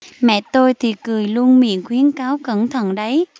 mẹ tôi thì cứ luôn miệng khuyến cáo cẩn thận đấy